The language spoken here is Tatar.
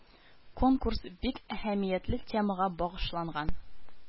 Конкурс бик әһәмиятле темага багышланган